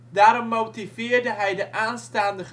Daarom motiveerde hij de aanstaande